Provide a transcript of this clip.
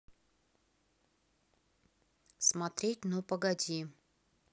смотреть ну погоди